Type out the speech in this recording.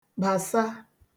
bàsà